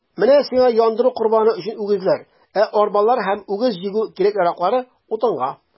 Менә сиңа яндыру корбаны өчен үгезләр, ә арбалары һәм үгез җигү кирәк-яраклары - утынга.